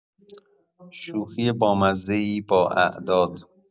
شوخی بامزه‌ای با اعداد